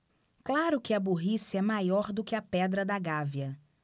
claro que a burrice é maior do que a pedra da gávea